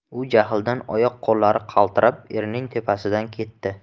u jahldan oyoq qo'llari qaltirab erining tepasidan ketdi